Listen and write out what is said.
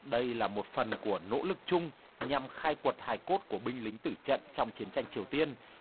đây là một phần của nỗ lực chung nhằm khai quật hài cốt của binh lính tử trận trong chiến tranh triều tiên